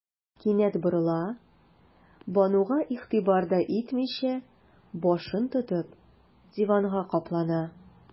Кинәт борыла, Бануга игътибар да итмичә, башын тотып, диванга каплана.